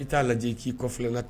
I t'a lajɛ k'i kɔfilɛla ten